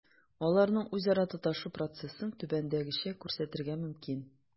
Аларның үзара тоташу процессын түбәндәгечә күрсәтергә мөмкин: